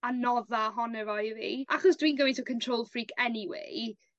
anodda ohono fo i fi. Achos dwi'n gymaint o control freek anyway